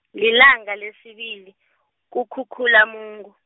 lilanga lesibili, kuKhukhulamungu.